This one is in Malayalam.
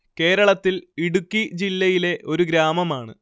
കേരളത്തിൽ ഇടുക്കി ജില്ലയിലെ ഒരു ഗ്രാമമാണ്